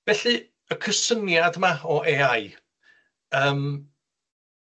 Felly, y cysyniad 'ma o Ay I, yym